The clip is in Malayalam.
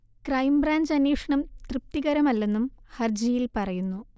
ക്രൈം ബ്രാഞ്ച് അന്വേഷണം തൃ്പതികരമല്ലെന്നും ഹർജിയിൽ പറയുന്നു